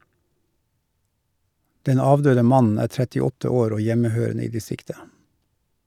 Den avdøde mannen er 38 år og hjemmehørende i distriktet.